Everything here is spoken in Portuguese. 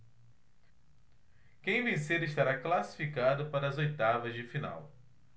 quem vencer estará classificado para as oitavas de final